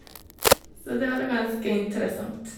Så det er ganske interessant.